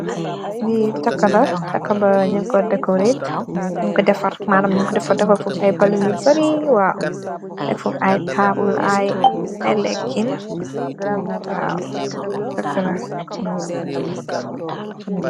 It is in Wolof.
Li takka la palas wi nyoung ko decorate manam nyoung fa deff aye balloons you barri deffa aye tabol aye leking waw takala.